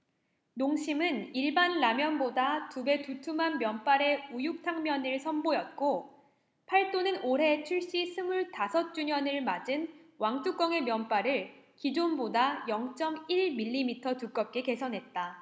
농심은 일반라면보다 두 배 두툼한 면발의 우육탕면을 선보였고 팔도는 올해 출시 스물 다섯 주년을 맞은 왕뚜껑의 면발을 기존보다 영 쩜 일 밀리미터 두껍게 개선했다